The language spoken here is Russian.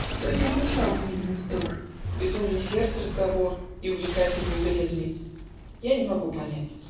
Кто ей внушал умильный вздор, Безумный сердца разговор, И увлекательный и вредный? Я не могу понять.